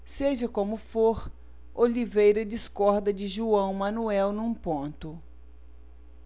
seja como for oliveira discorda de joão manuel num ponto